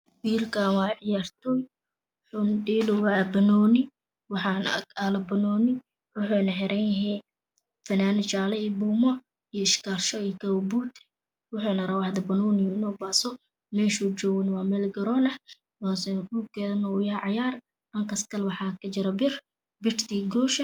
Wiilkaan waa cayaartoy. Wuxuuna dheelaa banooni. Waxaan aad aala banooni Wuxuuna xiran yahay fanaanad jaalle iyo buumo iyo iskaashi iyo kabo buud ah.wuxuuna rabaa inow banooniga baaso. meeshuu joogane waa meel garoon ah.meeshuu joogane dhulkeeda uu yahay cagaar. Halkaas kale waxaa ka jira bir birtii goosha.